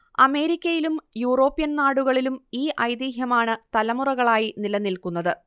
അമേരിക്കയിലും യൂറോപ്യൻ നാടുകളിലും ഈ ഐതിഹ്യമാണ് തലമുറകളായി നിലനിൽക്കുന്നത്